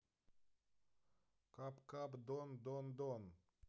кап кап дон дон дон